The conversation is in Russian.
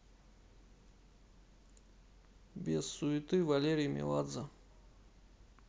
без суеты валерий меладзе